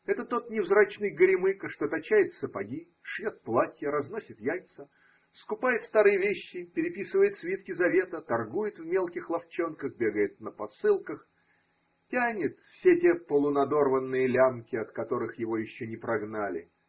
Это – тот невзрачный горемыка, что точает сапоги, шьет платья, разносит яйца, скупает старые вещи, переписывает свитки завета, торгует в мелких лавчонках, бегает на посылках, тянет все те полунадорванные лямки, от которых его еще не прогнали.